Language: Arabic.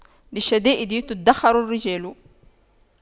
للشدائد تُدَّخَرُ الرجال